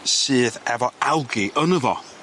Sydd efo algae yno fo.